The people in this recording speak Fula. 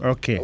ok